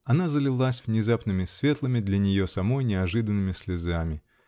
Она залилась внезапными светлыми, для нее самой неожиданными слезами .